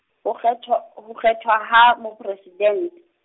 ho kgethwa, h- ho kgethwa ha Mopresidente.